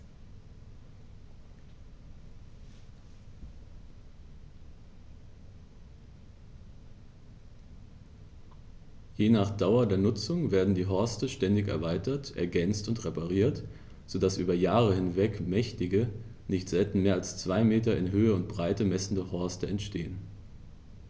Je nach Dauer der Nutzung werden die Horste ständig erweitert, ergänzt und repariert, so dass über Jahre hinweg mächtige, nicht selten mehr als zwei Meter in Höhe und Breite messende Horste entstehen.